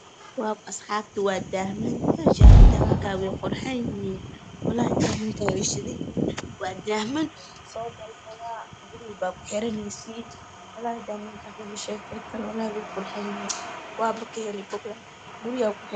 Waa dahman wateegah dahmanka wey quroxbadanyhiin waadahman soogata guriga aakuxiraneysiin damankan lagama shekeynkaro guryhy kuxirta